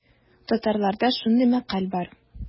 Татарларда шундый мәкаль бар.